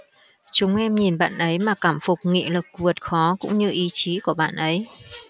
chúng em nhìn bạn ấy mà cảm phục nghị lực vượt khó cũng như ý chí của bạn ấy